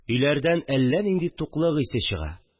Өйләрдән әллә нинди туклык исе чыга